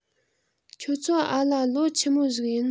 ཁྱོད ཚོ འ ལ ལོ ཆི མོ ཟིག ཡོད